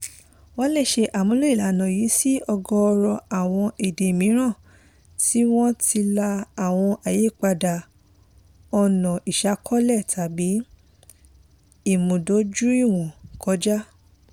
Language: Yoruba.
Wọ́n lè ṣe àmúlò ìlànà yìí sí ọ̀gọ̀ọ̀rọ̀ àwọn èdè mìíràn tí wọ́n ti la àwọn àyípadà ọ̀nà ìṣàkọọ́lẹ̀ tàbí ìmúdójúìwọ̀n kọjá.